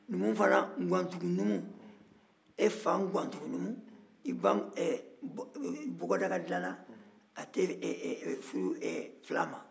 numuw fana e fa nguwantugu numu i ba bɔgɔdagadilanna elle n'epouse pas un peul